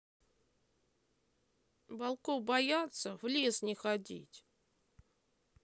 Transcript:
волков бояться в лес не ходить